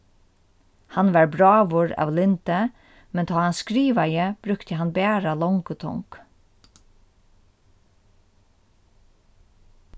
hann var bráður av lyndi men tá hann skrivaði brúkti hann bara longutong